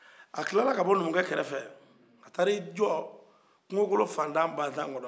a tilala ka bɔ numukɛ kɛrɛ fɛ a taara i jɔ kungokolon fatan batan kɔnɔ